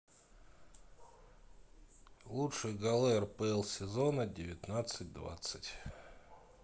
лучшие голы рпл сезона девятнадцать двадцать